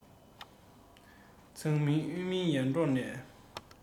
གཙང མིན དབུས མིན ཡར འབྲོག ནས